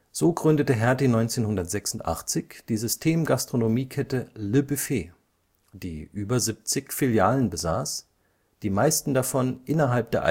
So gründete Hertie 1986 die System-Gastronomie-Kette „ Le Buffet “, die über 70 Filialen besaß, die meisten davon innerhalb der